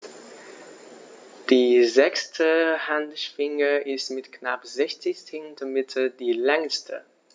Die sechste Handschwinge ist mit knapp 60 cm die längste.